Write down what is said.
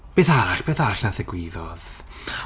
Beth arall? Beth arall wnaeth ddigwyddodd?